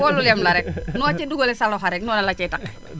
boolu lem la rek noo ci dugale sa loxo noonu la siy taqe